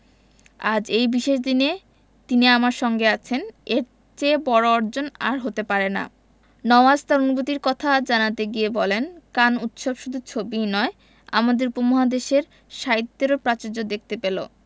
আজ এই বিশেষ দিনে তিনি আমার সঙ্গে আছেন এর চেয়ে বড় অর্জন আর হতে পারে না নওয়াজ তার অনুভূতির কথা জানাতে গিয়ে বলেন কান উৎসব শুধু ছবিই নয় আমাদের উপমহাদেশের সাহিত্যের প্রাচুর্যও দেখতে পেল